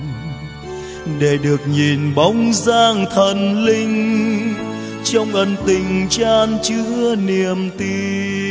để được nhìn bóng dáng thần linh trong ân tình chan chứa niềm tin